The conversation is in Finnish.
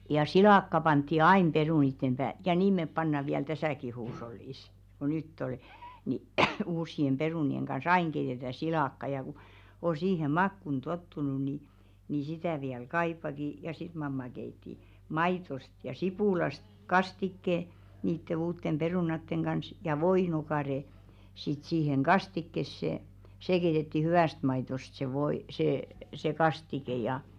ja silakkaa pantiin aina perunoiden päälle ja niin me pannaan vielä tässäkin huushollissa kun nyt oli niin uusien perunoiden kanssa aina keitetään silakkaa ja kun on siihen makuun tottunut niin niin sitä vielä kaipaakin ja sitten mamma keitti maidosta ja sipulista kastikkeen niiden uusien perunoiden kanssa ja voinokare sitten siihen kastikkeeseen se keitettiin hyvästä maidosta se - se se kastike ja -